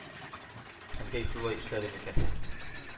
Әнкәй шулай эшләде икән?